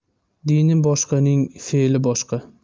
dini boshqaning fe'li boshqa